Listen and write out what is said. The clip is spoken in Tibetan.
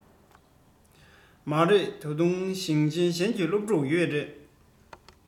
མ རེད ད དུང ཞིང ཆེན གཞན གྱི སློབ ཕྲུག ཡོད རེད